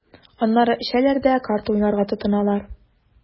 Аннары эчәләр дә карта уйнарга тотыналар.